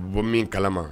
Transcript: Bɔ min kalama